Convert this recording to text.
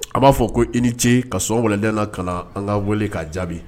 A ba fɔ ko i ni ce . Ka sɔn wulada in na ka na an ka wele ka jaabi.